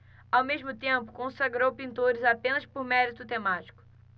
ao mesmo tempo consagrou pintores apenas por mérito temático